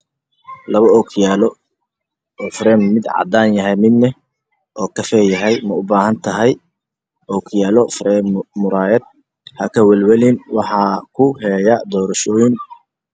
Labo ookiyaalo oo mid cadaan yahay midna kafee yahay ma ubaahantahay